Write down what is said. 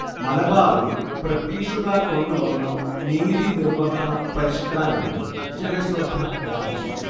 മലബാറിൽ ബ്രിട്ടീഷുകാർ കൊണ്ടുവന്ന നീതിനിർവഹണ പരിഷ്കാരങ്ങൾ ജനശ്രദ്ധയാകർഷിച്ചു